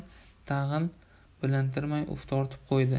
tag'in bilintirmay uf tortib qo'ydi